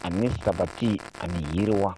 Ani sababati ani yiriwa